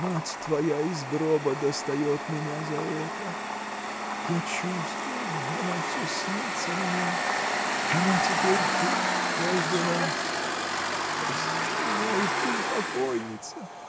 Мать твоя из гроба достает меня за это; я чувствую — она всё снится мне. Она теперь тут, между нас. Прости меня и ты, покойница!